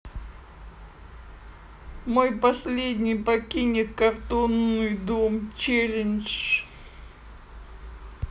мой последний покинет картонный дом челендж